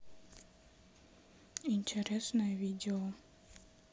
интересное видео